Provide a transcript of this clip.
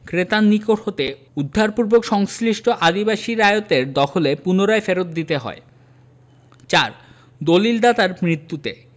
ক্রেতার নিকট হতে উদ্ধারপূর্বক সংশ্লিষ্ট আদিবাসী রায়তের দখলে পুনরায় ফেরৎ দিতে হয় ৪ দলিল দাতার মৃত্যুতে